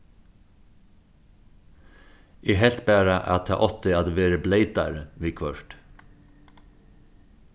eg helt bara at tað átti at verið bleytari viðhvørt